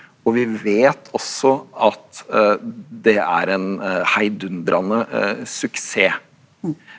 og vi vet også at det er en heidundrende suksess.